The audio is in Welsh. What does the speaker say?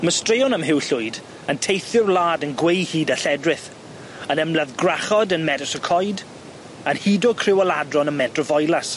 My' straeon am Huw Llwyd yn teithio'r wlad yn gweu hyd a lledrith, yn ymladd gwrachod yn Medws y Coed, yn hudo criw o ladron ym Medre Foelus.